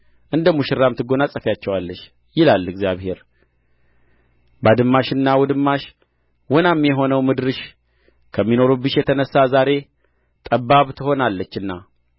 እንደ ሙሽራም ትጐናጸፊአቸዋለሽ ይላል እግዚአብሔር ባድማሽና ውድማሽ ወናም የሆነው ምድርሽ ከሚኖሩብሽ የተሣ ዛሬ ጠባብ ትሆናለችና